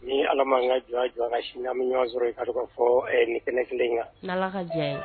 Ni Ala m'an ka jɔnya jɔ an na . Sini an bɛ ɲɔgɔn sɔrɔ i ka dɔn ka fɔ ɛɛ ni kɛnɛ kelen in kan. Ni Ala la jɛn ye.